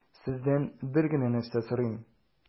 Сездән бер генә нәрсә сорыйм: